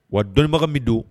Wa dɔnnibaga min don